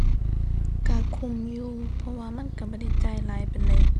ก็คุ้มอยู่ เพราะว่ามันก็บ่ได้จ่ายหลายปานใด